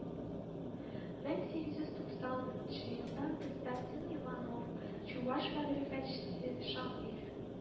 Мең сигез йөз туксанынчы елда константин иванов, чуаш мәгърифәтчесе, шагыйрь